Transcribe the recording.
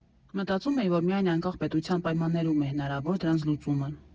Մտածում էի, որ միայն անկախ պետության պայմաններում է հնարավոր դրանց լուծումը։